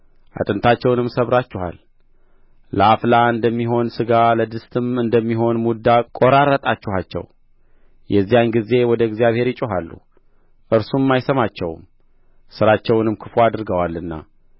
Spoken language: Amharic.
አጥንታቸውንም ሰብራችኋል ለአፍላል እንደሚሆን ሥጋ ለድስትም እንደሚሆን ሙዳ ቈራረጣችኋቸው የዚያን ጊዜ ወደ እግዚአብሔር ይጮኻሉ እርሱም አይሰማቸውም ሥራቸውንም ክፉ አድርገዋልና